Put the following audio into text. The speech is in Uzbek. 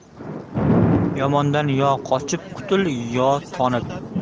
yomondan yo qochib qutul yo tonib